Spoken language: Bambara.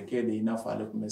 ' de i' faga ale tun bɛ se